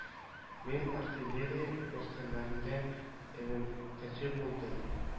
Мин артиллерия гаскәрләрендә элемтәче булдым